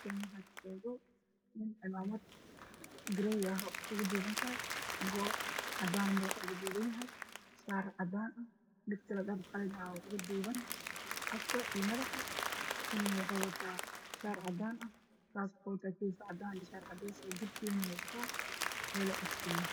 Waa niman badan ninka ugu soo horeeyo waxa uu wataa maamul madow ah oo afka ugu duuban waxaana haya niman kale oo gacanta ku wata calan